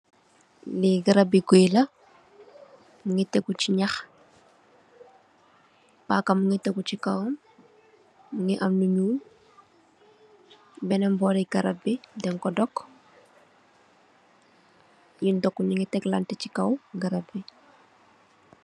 Li garab bi gui la mugi tegu si nyax paka mugi tegu si kawam mugi am lu nyul benen bori garam bi denj ko dok yun dok mugi teklanteh si kaw garam.